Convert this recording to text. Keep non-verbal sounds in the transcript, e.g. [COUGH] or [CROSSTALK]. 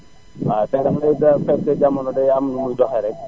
[NOISE] waaw tay damalay bu fekkee jamono day am numuy doxee rekk [NOISE]